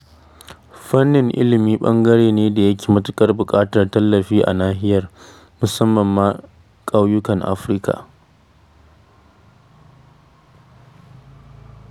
Fannin ilimi ɓangare ne da yake matuƙar buƙatar tallafi a nahiyar, musamman ma ƙauyukan Afirka.